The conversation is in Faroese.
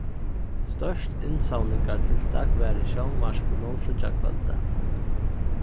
stórt innsavningartiltak var í sjónvarpinum fríggjakvøldið